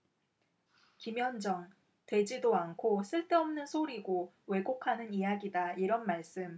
김현정 되지도 않고 쓸데없는 소리고 왜곡하는 이야기다 이런 말씀